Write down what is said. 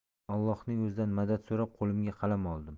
ollohning o'zidan madad so'rab qo'limga qalam oldim